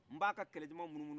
mb' a kɛlɛ jaman munumunu